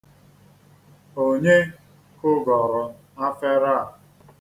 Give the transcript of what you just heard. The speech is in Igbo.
Onye kụgọrọ afere a?